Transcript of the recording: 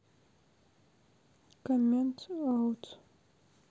коммент аут